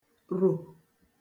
rò